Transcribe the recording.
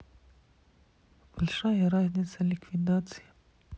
большая разница ликвидация